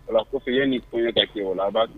A koseke ni ko ye da o la a b'a